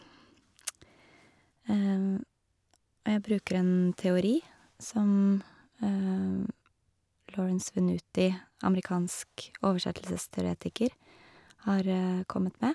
Jeg bruker en teori som Lawrence Venuti, amerikansk oversettelsesteoretiker, har kommet med.